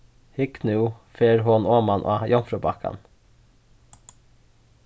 hygg nú fer hon oman á jomfrúbakkan